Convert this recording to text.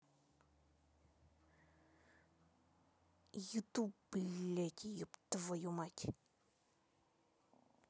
youtube блядь еб твою мать